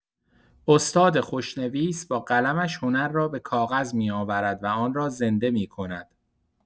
استاد خوشنویس با قلمش هنر را به کاغذ می‌آورد و آن را زنده می‌کند.